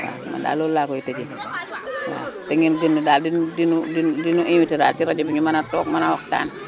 waaw man daal loolu laa koy tëjee waaw te ngeen gën ñu daal di ñu di ñu di ñu invité daal ci rajo bi ñu mën a toog mën a waxtaan